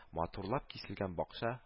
Матурлап киселгән бакча